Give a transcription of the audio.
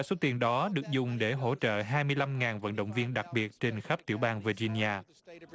số tiền đó được dùng để hỗ trợ hai mươi lăm ngàn vận động viên đặc biệt trên khắp tiểu bang vi gi ni a